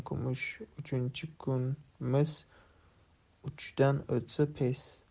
kumush uchinchi kun mis uchdan o'tsa pes